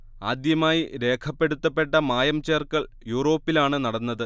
ആദ്യമായി രേഖപ്പെടുത്തപ്പെട്ട മായം ചേർക്കൽ യൂറോപ്പിലാണ് നടന്നത്